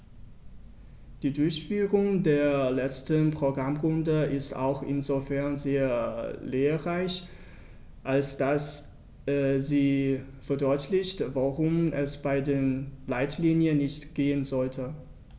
Die Durchführung der letzten Programmrunde ist auch insofern sehr lehrreich, als dass sie verdeutlicht, worum es bei den Leitlinien nicht gehen sollte.